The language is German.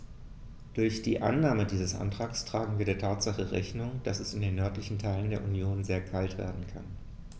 Durch die Annahme dieses Antrags tragen wir der Tatsache Rechnung, dass es in den nördlichen Teilen der Union sehr kalt werden kann.